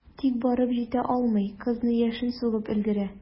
Тик барып җитә алмый, кызны яшен сугып өлгерә.